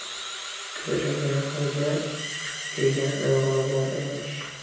to'laganxo'ja degan o'g'li bor emish